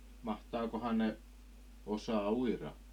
mahtaakohan ne osata uida